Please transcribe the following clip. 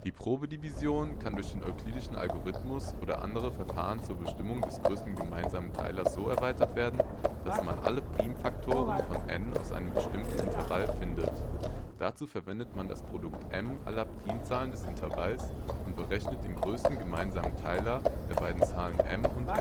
Probedivision kann durch den Euklidischen Algorithmus oder andere Verfahren zur Bestimmung des größten gemeinsamen Teilers so erweitert werden, dass man alle Primfaktoren von n {\ displaystyle n} aus einem bestimmten Intervall findet. Dazu verwendet man das Produkt m {\ displaystyle m} aller Primzahlen des Intervalls und berechnet den größten gemeinsamen Teiler der beiden Zahlen m {\ displaystyle m} und